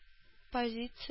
Позиция